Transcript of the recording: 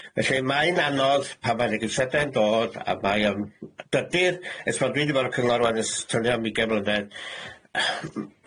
Felly mae'n anodd pan mae 'ne geisiade'n dod a mae o'n-... Dydi'r, e's pan dwi 'di bod ar y cyngor wan e's tynnu am ugain mlynedd